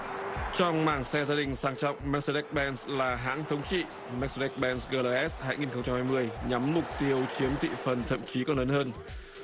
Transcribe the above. trong mảng xe gia đình sang trọng méc xe đéc ben là hãng thống trị méc xe đéc ben gờ lờ ét hai nghìn không trăm mười nhắm mục tiêu chiếm thị phần thậm chí còn lớn hơn